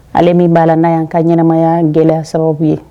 Ale min b'a la n'a y'a ka ɲɛnaɛnɛmaya gɛlɛya sababu ye